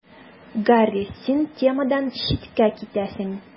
Гарри: Син темадан читкә китәсең.